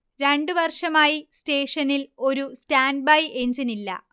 രണ്ടു വർഷമായി സ്റ്റേഷനിൽ ഒരു സ്റ്റാന്റ് ബൈ എഞ്ചിനില്ല